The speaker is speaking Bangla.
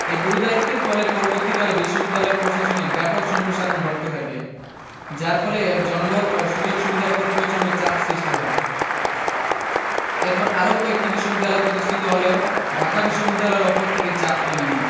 এ গুরুদায়িত্বের ফলে পরবর্তীকালে বিশ্ববিদ্যালয় প্রশাসনে ব্যাপক সম্প্রসারণ ঘটতে থাকে যার ফলে এর জনবল ও সুযোগ সুবিধার ওপর প্রচন্ড চাপ সৃষ্টি হয় এরপর আরও কয়েকটি বিশ্ববিদ্যালয় প্রতিষ্ঠিত হলেও ঢাকা বিশ্ববিদ্যালয়ের ওপর থেকে চাপ কমেনি